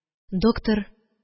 Доктор